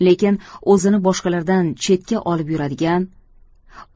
lekin o'zini boshqalardan chetga olib yuradigan